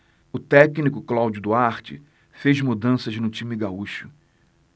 o técnico cláudio duarte fez mudanças no time gaúcho